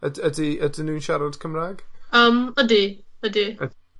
Yd- ydi ydyn nw'n siarad Cymrag? Yym ydi, ydi.